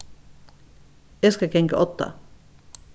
eg skal ganga á odda